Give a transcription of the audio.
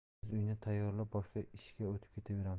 biz uyni tayyorlab boshqa ishga o'tib ketaveramiz